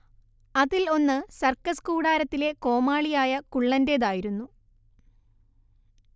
അതിൽ ഒന്ന് സർക്കസ് കൂടാരത്തിലെ കോമാളിയായ കുള്ളന്റേതായിരുന്നു